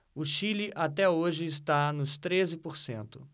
o chile até hoje está nos treze por cento